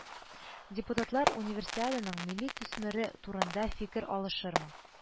Депутатлар Универсиаданың милли төсмере турында фикер алышырмы